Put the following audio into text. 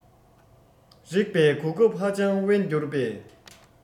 རེག པའི གོ སྐབས ཧ ཅང དབེན འགྱུར པས